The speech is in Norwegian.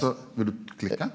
så vil du klikke?